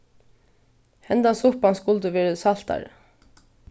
henda suppan skuldi verið saltari